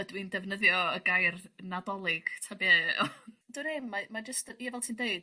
ydw i'n ddefnyddio y gair Nadolig 'ta be' o. Dwn 'im mae mae jyst ia fel ti'n deud